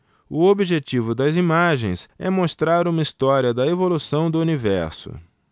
o objetivo das imagens é mostrar uma história da evolução do universo